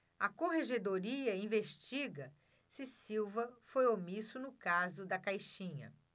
a corregedoria investiga se silva foi omisso no caso da caixinha